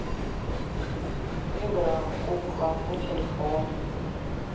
игра кукла на телефоне